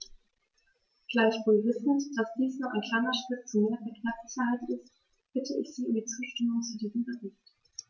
Gleichwohl wissend, dass dies nur ein kleiner Schritt zu mehr Verkehrssicherheit ist, bitte ich Sie um die Zustimmung zu diesem Bericht.